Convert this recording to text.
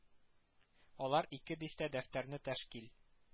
Алар ике дистә дәфтәрне тәшкил